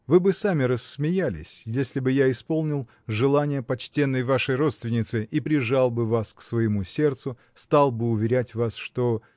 Вы бы сами рассмеялись, если бы я исполнил желание почтенной нашей родственницы и прижал бы вас к своему сердцу, стал бы уверять вас, что.